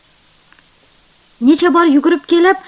necha bor yugurib kelib